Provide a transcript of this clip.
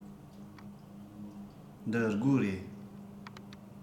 འདི སྒོ རེད